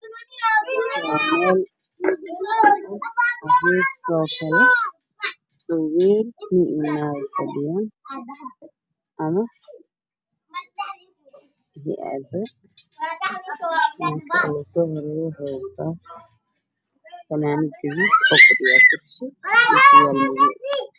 waxaa ii mooqdo dadka kooxU fadhiya oo wax isla akhrinaya